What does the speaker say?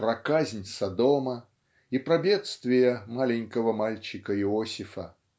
про казнь Содома и про бедствия маленького мальчика Иосифа.